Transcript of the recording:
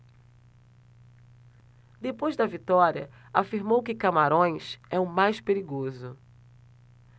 depois da vitória afirmou que camarões é o mais perigoso